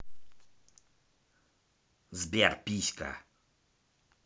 сбер писька